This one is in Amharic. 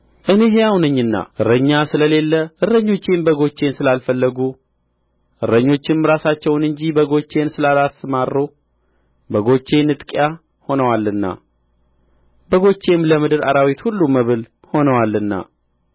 እኔ ሕያው ነኝና እረኛ ስለሌለ እረኞቼም በጎቼን ስላልፈለጉ እረኞችም ራሳቸውን እንጂ በጎቼን ስላላሰማሩ በጎቼ ንጥቂያ ሆነዋልና በጎቼም ለምድር አራዊት ሁሉ መብል ሆነዋልና